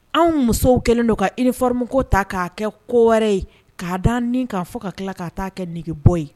Anw musow kɛlen don ka ifam ta k'a kɛ ko wɛrɛ ye k'a dan k'a fɔ ka tila ka'a kɛ nɛgɛge bɔ ye